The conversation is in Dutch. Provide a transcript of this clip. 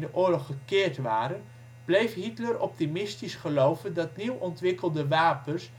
oorlog gekeerd waren, bleef Hitler optimistisch geloven dat nieuw ontwikkelde wapens